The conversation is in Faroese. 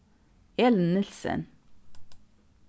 elin nielsen